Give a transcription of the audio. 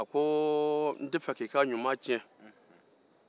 a ko n'ta fɛ k'i ka ɲuman tiɲɛ